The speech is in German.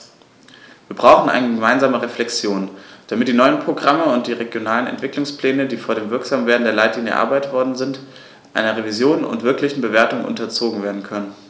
Wir brauchen eine gemeinsame Reflexion, damit die neuen Programme und die regionalen Entwicklungspläne, die vor dem Wirksamwerden der Leitlinien erarbeitet worden sind, einer Revision und wirklichen Bewertung unterzogen werden können.